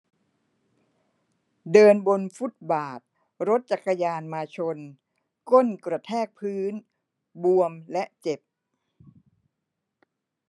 เดินบนฟุตบาทรถจักรยานมาชนก้นกระแทกพื้นบวมและเจ็บ